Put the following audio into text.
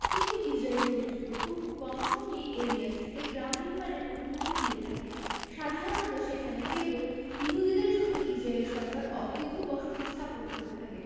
কিন্তু ইসরাইলি কর্তৃপক্ষ খুব কম সময়ই এরিয়া সি তে গ্রাম নির্মাণের অনুমতি দিয়ে থাকে সাধারণত সেখানে কেবল ইহুদিদের জন্য ইসরাইল সরকার অবৈধ বসতি স্থাপন করে থাকে